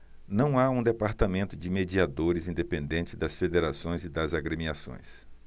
não há um departamento de mediadores independente das federações e das agremiações